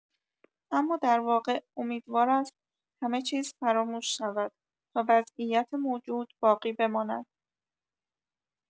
اما در واقع امیدوار است همه‌چیز فراموش شود تا وضعیت موجود باقی بماند.